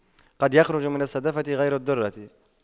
قد يخرج من الصدفة غير الدُّرَّة